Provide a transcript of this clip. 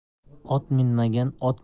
ot minmagan ot